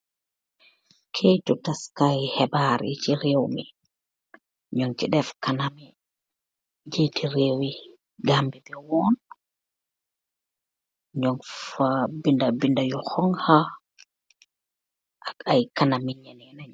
kehtu tasseh kai hibaar.